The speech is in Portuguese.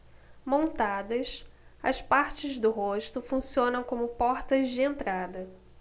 montadas as partes do rosto funcionam como portas de entrada